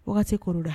Wagati kɔrɔ la